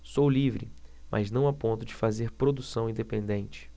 sou livre mas não a ponto de fazer produção independente